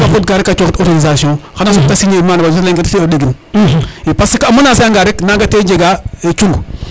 maga fodka ref a coxit autorisation xana soɓ te signer in mana a ley nge reti o ɗegin i parce que a menancer anga rek nange te jega cung